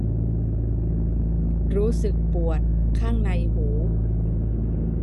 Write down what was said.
รู้สึกปวดข้างในหู